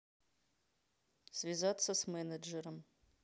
связаться с менеджером